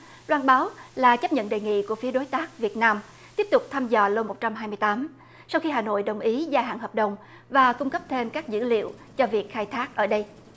loan báo là chấp nhận đề nghị của phía đối tác việt nam tiếp tục thăm dò lô một trăm hai mươi tám sau khi hà nội đồng ý gia hạn hợp đồng và cung cấp thêm các dữ liệu cho việc khai thác ở đây